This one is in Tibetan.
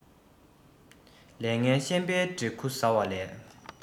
ལས ངན ཤན པའི དྲེག ཁུ བཟའ བ ལས